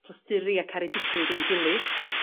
tosturi a caredigrwydd i'n gilydd.